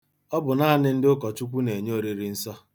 Ọ bụ nnanị ndị Ụkọchukwu na-enye Oririnsọ.